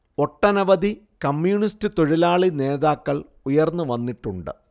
ഒട്ടനവധി കമ്യൂണിസ്റ്റ് തൊഴിലാളി നേതാക്കൾ ഉയർന്നു വന്നിട്ടുണ്ട്